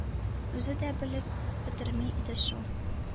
Үзе дә белеп бетерми иде шул.